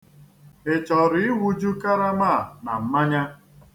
Ị chọrọ iwụju karama a na mmanya?